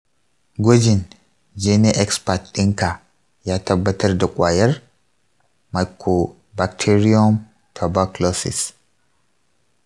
gwajin genexpert ɗinka ya tabbatar da ƙwayar mycobacterium tuberculosis.